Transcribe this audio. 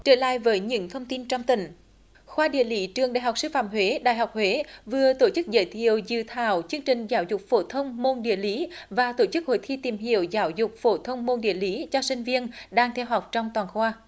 trở lại với những thông tin trong tỉnh khoa địa lý trường đại học sư phạm huế đại học huế vừa tổ chức giới thiệu dự thảo chương trình giáo dục phổ thông môn địa lý và tổ chức hội thi tìm hiểu giáo dục phổ thông môn địa lý cho sinh viên đang theo học trong toàn khoa